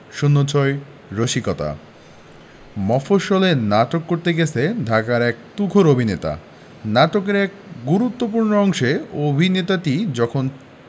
০৬ রসিকতা মফশ্বলে নাটক করতে গেছে ঢাকার এক তুখোর অভিনেতা নাটকের এক গুরুত্তপূ্র্ণ অংশে অভিনেতাটি যখন